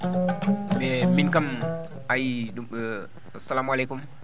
ɓe min kam a yiyii ɗum asalamu aleykum